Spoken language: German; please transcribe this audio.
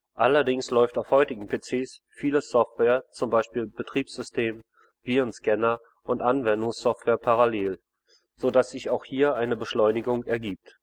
Allerdings läuft auf heutigen PCs viele Software, z. B. Betriebssystem, Virenscanner und Anwendungssoftware parallel, so dass sich auch hier eine Beschleunigung ergibt